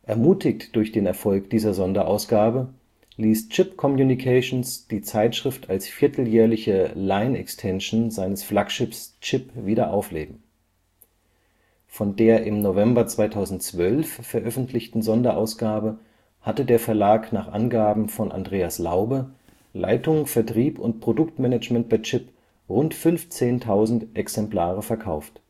Ermutigt durch den Erfolg dieser Sonderausgabe, ließ Chip Communications die Zeitschrift als vierteljährliche Line-Extension seines Flaggschiffs CHIP wieder aufleben. Von der im November 2012 veröffentlichten Sonderausgabe hatte der Verlag nach Angaben von Andreas Laube, Leitung Vertrieb und Produktmanagement bei Chip, rund 15.000 Exemplare verkauft